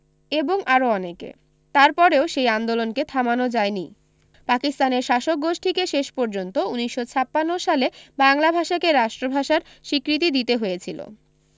এবং আরো অনেকে তারপরেও সেই আন্দোলনকে থামানো যায় নি পাকিস্তানের শাসক গোষ্ঠীকে শেষ পর্যন্ত ১৯৫৬ সালে বাংলা ভাষাকে রাষ্ট্রভাষার স্বীকৃতি দিতে হয়েছিল